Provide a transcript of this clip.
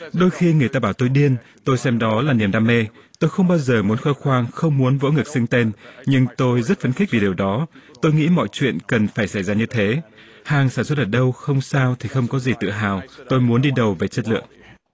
đôi khi người ta bảo tôi điên tôi xem đó là niềm đam mê tôi không bao giờ muốn khoe khoang không muốn vỗ ngực xưng tên nhưng tôi rất phấn khích vì điều đó tôi nghĩ mọi chuyện cần phải xảy ra như thế hàng sản xuất ở đâu không sao thì không có gì tự hào tôi muốn đi đầu về chất lượng